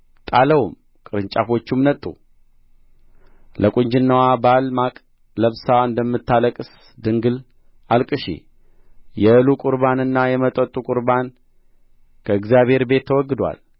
ጣለውም ቅርንጫፎቹም ነጡ ለቍንጅናዋ ባል ማቅ ለብሳ እንደምታለቅስ ድንግል አልቅሺ የእህሉ ቍርባንና የመጠጡ ቍርባን ከእግዚአብሔር ቤት ተወግዶአል